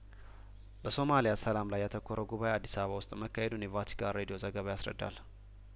በሱማሊያ ሰላም ላይ ያተኮረው ጉባኤ አዲስ አበባ ውስጥ መካሄዱን የቫቲካን ሬዲዮ ዘገባ ያስረዳል